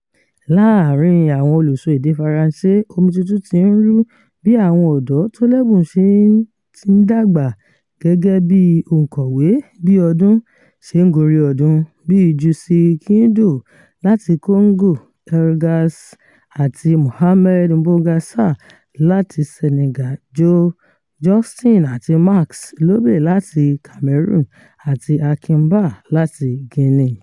Láàárín àwọn olùsọ èdè Faransé, omi tuntun ti ń rú, bí àwọn ọ̀dọ́ tó lẹ́bùn ṣe ń dàgbà gẹ́gẹ́ bíi òǹkọ̀wé bí ọdún ṣe ń gorí ọdún, bíi Jussy Kiyindou láti Congo, Elgas àti Mohamed Mbougar Sarr láti Sénégal, Jo Güstin àti Max Lobé láti Cameroon, àti Hakim Bah láti Guinea.